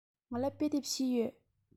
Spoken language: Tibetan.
ང ལ དཔེ དེབ བཞི ཡོད